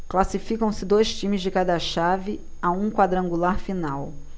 classificam-se dois times de cada chave a um quadrangular final